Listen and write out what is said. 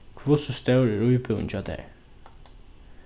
hvussu stór er íbúðin hjá tær